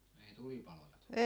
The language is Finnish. ei tulipaloja tullut